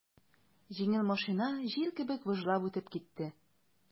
Җиңел машина җил кебек выжлап үтеп китте.